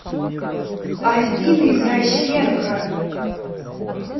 афина извращенка